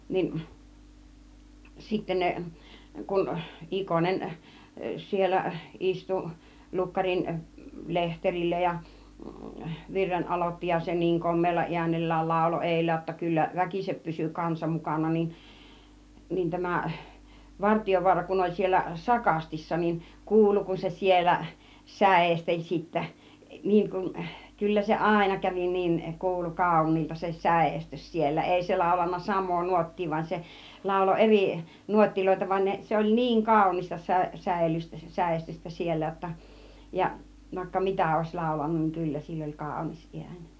niin sitten ne kun Ikonen siellä istui lukkarin lehterillä ja virren aloitti ja se niin komealla äänellään lauloi edellä jotta kyllä väkisin pysyi kansa mukana niin niin tämä Vartiovaara kun oli siellä sakastissa niin kuului kun se siellä säesteli sitten niin kuin kyllä se aina kävi niin kuului kauniilta se säestys siellä ei se laulanut samaa nuottia vaan se lauloi eri nuotteja vaan ne se oli niin kaunista -- säestystä siellä jotta ja vaikka mitä olisi laulanut niin kyllä sillä oli kaunis ääni